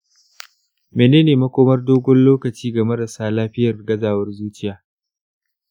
menene makomar dogon lokaci ga marasa lafiyar gazawar zuciya?